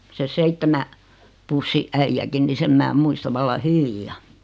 se seitsemän pussin äijäkin niin sen minä muistan vallan hyvin